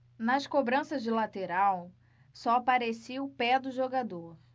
nas cobranças de lateral só aparecia o pé do jogador